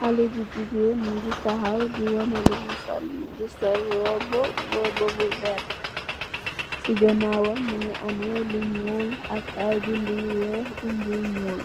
Halle bu jigeen, mungi tahaw di wane lumu sol, mungi sol roba, roba bu vert, si ganaawam mungi ame lu nyuul, ak aye bindi yu weeh, bindi yu nyuul,